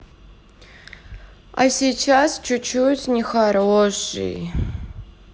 а сейчас чуть чуть не хороший